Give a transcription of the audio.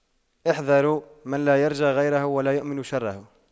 احذروا من لا يرجى خيره ولا يؤمن شره